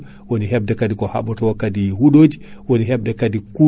hade palette o wadde transite, waɗa dédouanement, waɗa fofoof